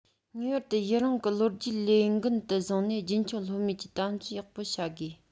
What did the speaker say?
ངེས པར དུ ཡུན རིང གི ལོ རྒྱུས ལས འགན དུ བཟུང ནས རྒྱུན འཁྱོངས ལྷོད མེད ཀྱིས དམ འཛིན ཡག པོ བྱ དགོས